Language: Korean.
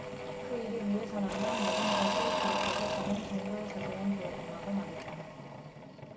그 일을 위해서라면 모든 것을 다 걸겠다는 정도의 자세는 보여달라고 말했다